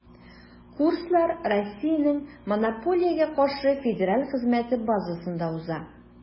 Курслар Россиянең Монополиягә каршы федераль хезмәте базасында уза.